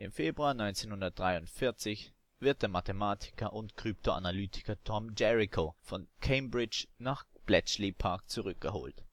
Februar 1943 wird der Mathematiker und Kryptoanalytiker Tom Jericho von Cambridge nach Bletchley Park zurückgeholt